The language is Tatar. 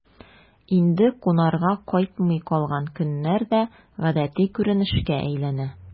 Инде кунарга кайтмый калган көннәр дә гадәти күренешкә әйләнә...